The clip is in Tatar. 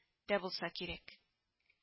Дә булса кирәк